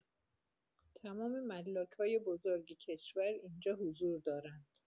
تمام ملاک‌های بزرگ کشور اینجا حضور دارند